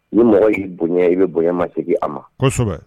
Ni mɔgɔ y'i bonya i bɛ bonya ma segin a ma, kosɛbɛ.